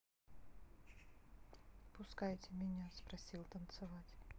не пускайте меня спросил танцевать